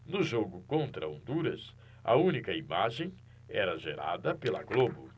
no jogo contra honduras a única imagem era gerada pela globo